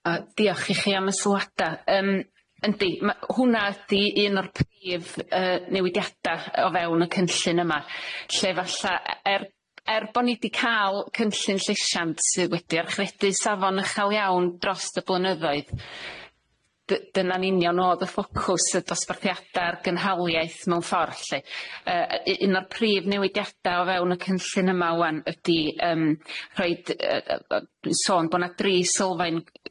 Yy diolch i chi am y sylwada' yym yndi ma' hwnna ydi un o'r prif yy newidiada' o fewn y cynllun yma, lle falla er er bo' ni 'di ca'l cynllun llesiant sydd wedi archfedu safon uchel iawn drost y blynyddoedd dy- dyna'n union o'dd y ffocws y dosbarthiada'r gynhaliaeth mewn ffor' 'lly yy yy u- un o'r prif newidiada' o fewn y cynllun yma ŵan ydi yym rhoid yy yy yy dwi'n sôn bo' 'na dri sylfaen